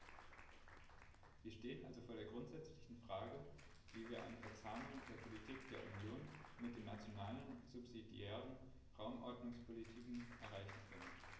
Wir stehen also vor der grundsätzlichen Frage, wie wir eine Verzahnung der Politik der Union mit den nationalen subsidiären Raumordnungspolitiken erreichen können.